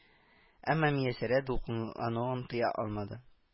Әмма Мияссәрә дулкынлануын тыя алмады, с